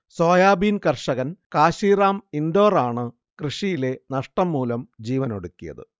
soybean കർഷകൻ കാശീറാം ഇൻഡോറാണ് കൃഷിയിലെ നഷ്ടം മൂലം ജീവനൊടുക്കിയത്